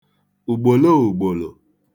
ùgbòlo ùgbòlò